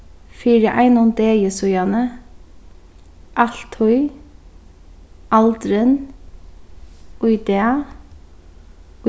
fyri einum degi síðani altíð aldrin í dag